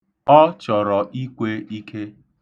Ọ chọrọ ikwe ike.